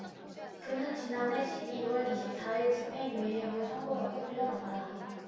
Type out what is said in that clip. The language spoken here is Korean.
그는 지난해 십 이 월 이십 사 일 집행유예형을 선고받고 풀려났다